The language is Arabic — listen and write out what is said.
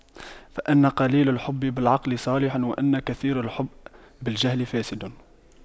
فإن قليل الحب بالعقل صالح وإن كثير الحب بالجهل فاسد